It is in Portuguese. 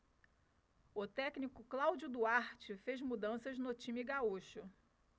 o técnico cláudio duarte fez mudanças no time gaúcho